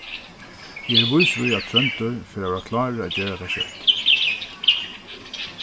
eg eri vísur í at tróndur fer at verða klárur at gera tað skjótt